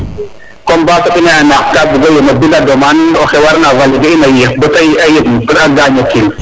comme ba soɓina ye a naaq ka bugo yen o bina demande oxe warna valider in a yeex bata yen bata gaño kiin